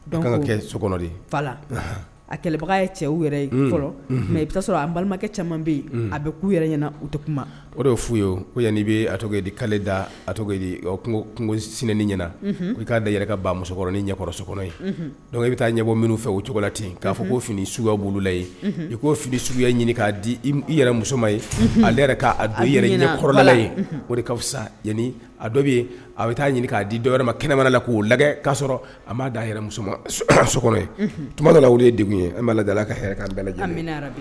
A kɛlɛbaga balimakɛ ye yan i'a da ka ba musoɔrɔn ɲɛkɔrɔ so kɔnɔ ye dɔnku i bɛ taa ɲɛ minnu fɛ o cogo la ten k'a fɔ koo fini suguya bololaye i ko fini suguya ɲini k'a i yɛrɛ musoma ye ale yɛrɛ k'akɔrɔlala o de ka saani a dɔ bɛ yen a bɛ taa ɲininka k'a di dɔw wɛrɛ ma kɛnɛ mana la k'o lajɛ ka sɔrɔ a m'a da so kɔnɔ tuma o ye denw ye'a lajɛ ka